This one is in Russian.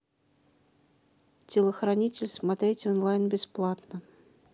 телохранитель смотреть онлайн бесплатно